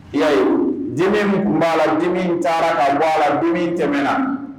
I y'a ye wa , dimi tun b'a la , dimi in taara ka bɔ a la, dimi tɛmɛna!